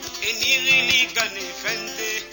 Ezinin ka ninfɛn ye